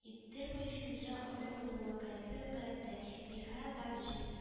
Идел буе федерал округыныңвәкаләтле вәкаләте Михаил Бабич